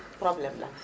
problème la